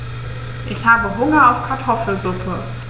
Ich habe Hunger auf Kartoffelsuppe.